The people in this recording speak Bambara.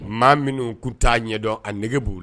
Maa minnu' t'a ɲɛdɔn a nɛgɛge b'o la